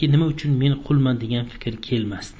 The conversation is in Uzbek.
nima uchun men qulman degan fikr kelmasdi